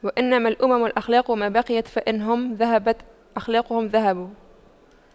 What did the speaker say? وإنما الأمم الأخلاق ما بقيت فإن هم ذهبت أخلاقهم ذهبوا